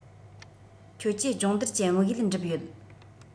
ཁྱོད ཀྱིས སྦྱོང བརྡར གྱི དམིགས ཡུལ འགྲུབ ཡོད